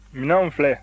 minanw filɛ